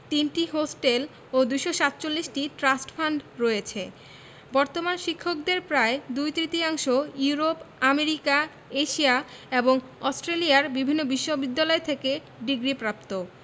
৩টি হোস্টেল ও ২৪৭টি ট্রাস্ট ফান্ড রয়েছে বর্তমান শিক্ষকদের প্রায় দুই তৃতীয়াংশ ইউরোপ আমেরিকা এশিয়া এবং অস্ট্রেলিয়ার বিভিন্ন বিশ্ববিদ্যালয় থেকে ডিগ্রিপ্রাপ্ত